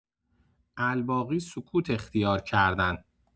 الباقی سکوت اختیار کردن.